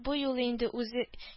Бу юлы инде үзе